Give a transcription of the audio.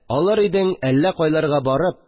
Алыр идең, әллә кайларга барып